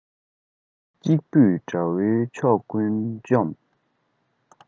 གཅིག པུས དགྲ བོའི ཚོགས ཀུན བཅོམ